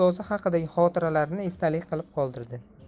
avlodlarga ustozi haqidagi xotiralarini esdalik qilib qoldirdi